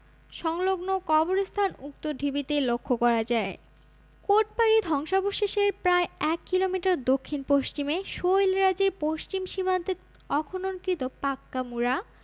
সংলগ্ন কবরস্থান উক্ত ঢিবিতে লক্ষ্য করা যায় কোটবাড়ি ধ্বংসাবশেষের প্রায় এক কিলোমিটার দক্ষিণ পশ্চিমে শৈলরাজির পশ্চিম সীমান্তে অখননকৃত পাক্কা মুড়া